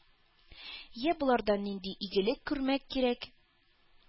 Йә, болардан нинди игелек күрмәк кирәк?!